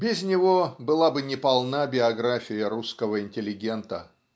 Без него была бы неполна биография русского интеллигента.